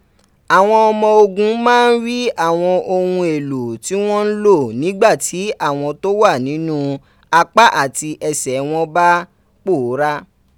Àwọn ọmọ ogun máa ń rí àwọn ohun èlò tí wọ́n ń lò nígbà tí àwọn tó wà nínú apá àti ẹsẹ̀ wọn bá pòórá.